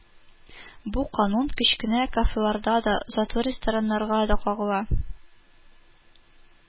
Бу канун кечкенә кафеларга да, затлы рестораннарга да кагыла